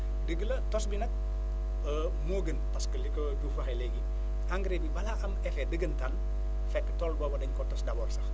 dëgg la tos bi nag moo gën parce que li ko Diouf waxee léegi engrais bi balaa am effet dëggantaan fekk tool booba dañu ko tos d' abord sax